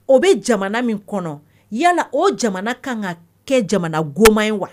O bɛ jamana min kɔnɔ yala o jamana kan ka kɛ jamana goma in wa